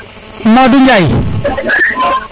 Modou Ndiaye